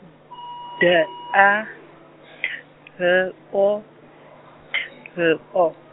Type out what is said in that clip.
D A T L O T L O.